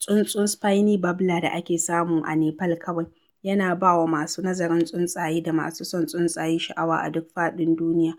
Tsuntsun Spiny Babbler da ake samu a Nepal kawai, yana ba wa masu nazarin tsuntsaye da masu son tsuntsaye sha'awa a duk faɗin duniya.